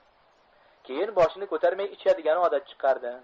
keyin boshini ko'tarmay ichadigan odat chiqardi